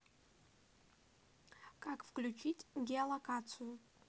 как включить геолокацию